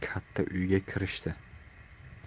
katta uyga kirishdi